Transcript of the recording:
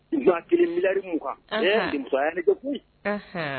N' hakili mirimu kan ee ninbaya ne koyi